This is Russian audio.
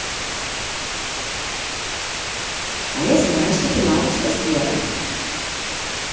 а я знаю что ты мамочка сбера